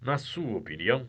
na sua opinião